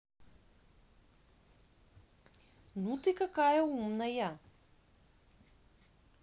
ну ты какая умная